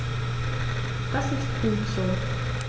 Das ist gut so.